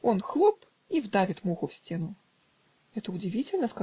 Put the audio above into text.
Он хлоп, и вдавит муху в стену! -- Это удивительно!